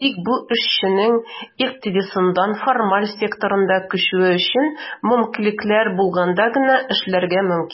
Тик бу эшченең икътисадның формаль секторына күчүе өчен мөмкинлекләр булганда гына эшләргә мөмкин.